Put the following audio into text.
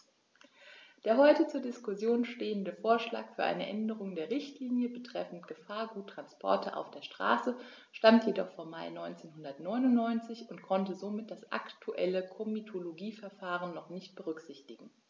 Der heute zur Diskussion stehende Vorschlag für eine Änderung der Richtlinie betreffend Gefahrguttransporte auf der Straße stammt jedoch vom Mai 1999 und konnte somit das aktuelle Komitologieverfahren noch nicht berücksichtigen.